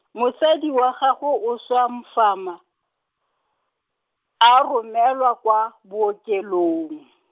mosadi wa gagwe a swa mfama, a romelwa kwa bookelong.